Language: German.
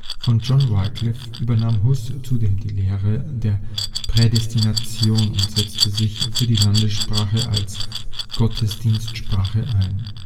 Von John Wyclif übernahm Hus zudem die Lehre der Prädestination und setzte sich für die Landessprache als Gottesdienstsprache ein